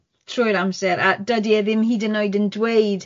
trwy'r amser, a dydi e ddim hyd yn oed yn dweud